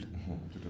tout est